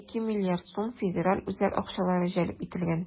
2 млрд сум федераль үзәк акчалары җәлеп ителгән.